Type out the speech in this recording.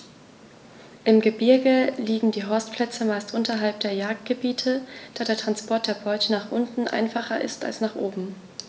Im Gebirge liegen die Horstplätze meist unterhalb der Jagdgebiete, da der Transport der Beute nach unten einfacher ist als nach oben.